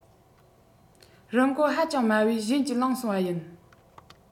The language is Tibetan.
རིན གོང ཧ ཅང དམའ བོས གཞན གྱིས བླངས སོང བ ཡིན